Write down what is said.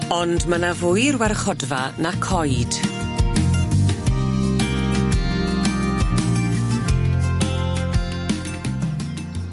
Ond ma' 'ny fwy i'r warchodfa na coed.